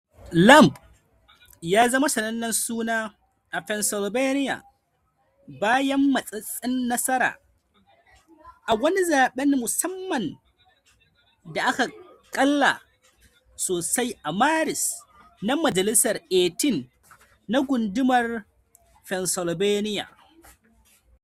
Lamb ya zama sanannen suna a Pennsylvania bayan matsatsen nasara a wani zaben mussamman da aka kalla sosai a Maris na Majalisar 18 na Gundumar Pennsylvania.